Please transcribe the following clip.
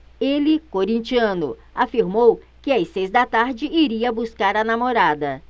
ele corintiano afirmou que às seis da tarde iria buscar a namorada